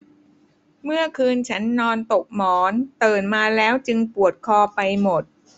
เมื่อคืนฉันนอนตกหมอนตื่นมาแล้วจึงปวดคอไปหมด